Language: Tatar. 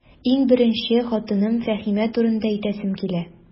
Иң беренче, хатыным Фәһимә турында әйтәсем килә.